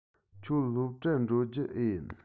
ཁྱོད སློབ གྲྭར འགྲོ རྒྱུ འེ ཡིན